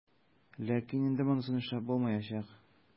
Ләкин инде монысын эшләп булмаячак.